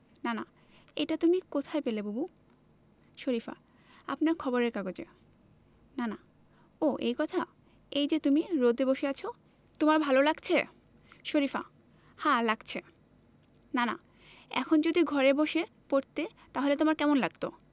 নানা এটা তুমি কোথায় পেলে বুবু শরিফা আপনার খবরের কাগজে নানা ও এই কথা এই যে তুমি রোদে বসে পড়ছ তোমার ভালো লাগছে শরিফা হ্যাঁ লাগছে নানা এখন যদি ঘরে বসে পড়তে তাহলে কেমন লাগত